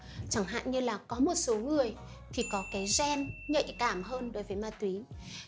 chẳng hạn như một số người có cái gen nhạy cảm hơn về ma túy